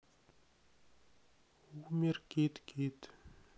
умер кит кит